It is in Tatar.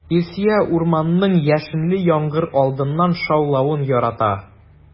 Илсөя урманның яшенле яңгыр алдыннан шаулавын ярата.